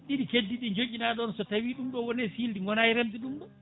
ɗiɗi keddi ɗi joƴƴina ɗo so tawi ɗum ɗo wone silde goona e remde ɗum ɗo